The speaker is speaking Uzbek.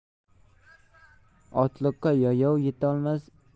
otliqqa yayov yetolmas